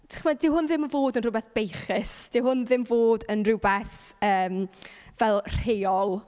Dach chimod, 'dyw hwn ddim fod yn rywbeth beichus. 'Dyw hwn ddim fod yn rhywbeth yym fel rheol.